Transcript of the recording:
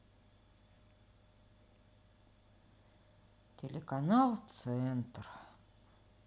телеканал центр